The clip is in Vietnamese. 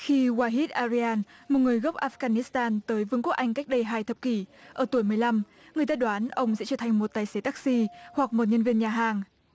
khi goa hít a rây an một người gốc áp ca nít tan tới vương quốc anh cách đây hai thập kỷ ở tuổi mười lăm người ta đoán ông sẽ trở thành một tài xế tắc xi hoặc một nhân viên nhà hàng